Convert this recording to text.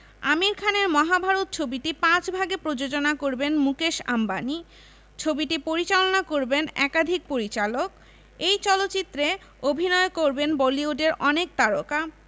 আমির খানের মহাভারত ছবিটি পাঁচ ভাগে প্রযোজনা করবেন মুকেশ আম্বানি ছবিটি পরিচালনা করবেন একাধিক পরিচালক এই চলচ্চিত্রে অভিনয় করবেন বলিউডের অনেক তারকা